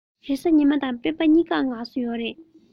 རེས གཟའ ཉི མ དང སྤེན པ གཉིས ཀར ངལ གསོ ཡོད རེད